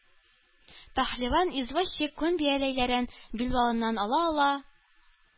Пәһлеван извозчик күн бияләйләрен билбавыннан ала-ала: